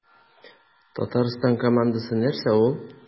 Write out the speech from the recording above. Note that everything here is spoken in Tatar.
Татарстан командасы нәрсә ул?